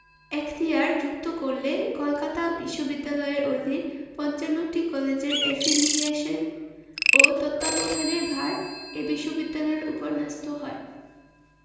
এখতিয়ার যুক্ত করলে কলকাতা বিশ্ববিদ্যালয়ের অধীন ৫৫টি কলেজের এফিলিয়েশন ও তত্ত্বাবধানের ভার এ বিশ্ববিদ্যালয়ের ওপর ন্যস্ত হয়